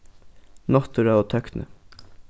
náttúra og tøkni